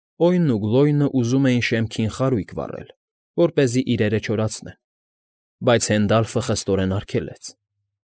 Օյնն ու Գլոյնը ուզում էին շեմքին խարույկ վառել, որպեսզի իրերը չորացնեն, բայց Հենդալֆը խստորեն արգելեց։